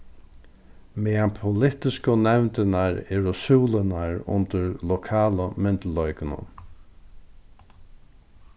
meðan politisku nevndirnar eru súlurnar undir lokalu myndugleikunum